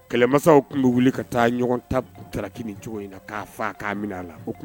Kɛlɛmasaw tun bɛ wele ka taa ɲɔgɔn tataki ni cogo in na'a'a minɛ a la